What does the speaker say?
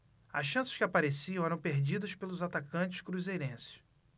as chances que apareciam eram perdidas pelos atacantes cruzeirenses